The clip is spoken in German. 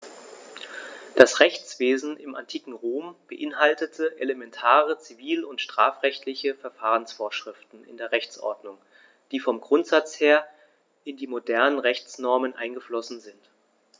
Das Rechtswesen im antiken Rom beinhaltete elementare zivil- und strafrechtliche Verfahrensvorschriften in der Rechtsordnung, die vom Grundsatz her in die modernen Rechtsnormen eingeflossen sind.